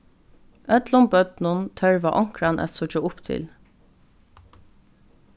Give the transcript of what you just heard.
øllum børnum tørvar onkran at síggja upp til